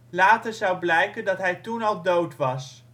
Later zou blijken dat hij toen al dood was